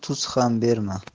tuz ham berma